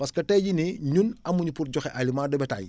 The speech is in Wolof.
parce que tey jii nii ñun amuñu pour joxe aliments de bétails